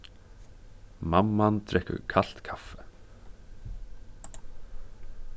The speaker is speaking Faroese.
mamman drekkur kalt kaffi